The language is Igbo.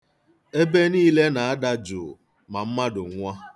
Ebe niile na-ada jụụ ma mmadụ nwụọ.